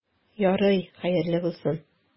Ярый, хәерле булсын.